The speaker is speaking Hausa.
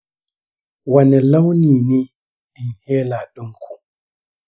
wane launi ne inhaler dinku?